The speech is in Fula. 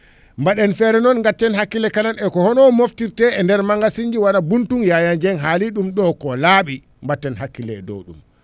mbaɗen feere noon gatten hakkille kala ko en eko hono moftirte e nder magasin walla buntung Yaya Dieng haali ɗum ɗo ko laaɓi mbatten hakkille e dow ɗum